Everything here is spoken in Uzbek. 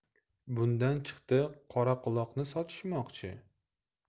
bundan chiqdi qoraquloqni sotishmoqchi